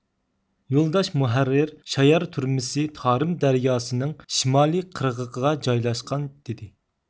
يولداش مۇھەررىر شايار تۈرمىسى تارىم دەرياسىنىڭ شىمالىي قىرغىقىغا جايلاشقان دېدى